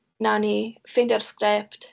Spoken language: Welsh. Wawn ni ffeindio'r sgript.